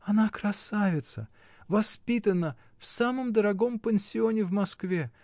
— Она красавица, воспитана в самом дорогом пансионе в Москве.